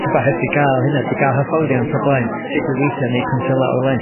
t'ba heb di ga'l hynna, 'eb 'di ga'l hyfforddiant o'r blaen. Sud i weithio neu cwnsela ar-lein.